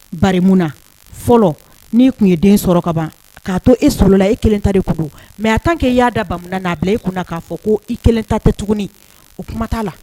Bamu na fɔlɔ n tun ye den sɔrɔ kaban k'a to e sola e kelen ta de kulu mɛ a tan k' i y yaa da ba n'a bila i kun k'a fɔ ko i kelen ta tɛ tuguni u kuma t'a la